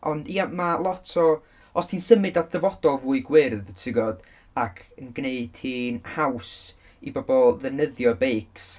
ond ia, ma' lot o... os ti'n symud at ddyfodol fwy gwyrdd, ti'n gwbod, ac yn gwneud hi'n haws i bobl ddefnyddio beics...